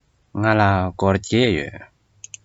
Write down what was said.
ང ལ སྒོར བརྒྱད ཡོད